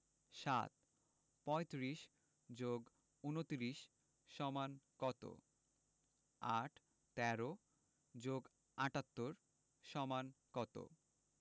৭ ৩৫ + ২৯ = কত ৮ ১৩ + ৭৮ = কত